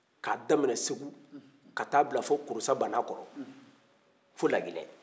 k'a daminɛ segu ka t'a bila kurusabanankɔrɔ fo laginɛ